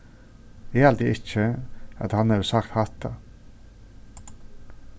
eg haldi ikki at hann hevur sagt hatta